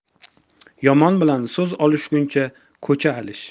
yomon bilan so'z olishguncha ko'cha alish